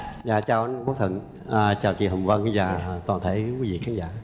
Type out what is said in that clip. dạ chào anh quốc thuận chào chị hồng vân và toàn thể quý vị khán giả